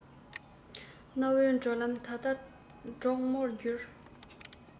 གནའ བོའི བགྲོད ལམ ད ལྟ གྲོག མོར གྱུར